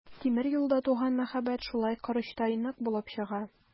Тимер юлда туган мәхәббәт шулай корычтай нык булып чыга.